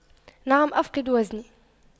نعم أفقد وزني